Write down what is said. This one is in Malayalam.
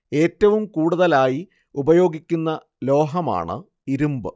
ഏറ്റവും കൂടുതലായി ഉപയോഗിക്കുന്ന ലോഹമാണ് ഇരുമ്പ്